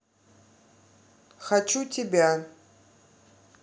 хочу тебя